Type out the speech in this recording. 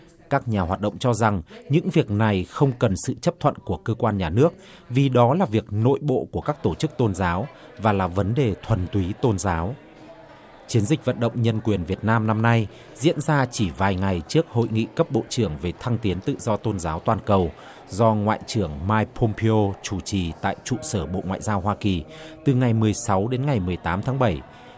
các nhà hoạt động cho rằng những việc này không cần sự chấp thuận của cơ quan nhà nước vì đó là việc nội bộ của các tổ chức tôn giáo và là vấn đề thuần túy tôn giáo chiến dịch vận động nhân quyền việt nam năm nay diễn ra chỉ vài ngày trước hội nghị cấp bộ trưởng về thăng tiến tự do tôn giáo toàn cầu do ngoại trưởng mai pôm bi ô chủ trì tại trụ sở bộ ngoại giao hoa kỳ từ ngày mười sáu đến ngày mười tám tháng bảy